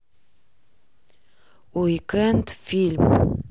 уикенд фильм